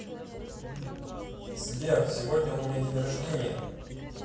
сбер сегодня у меня день рождения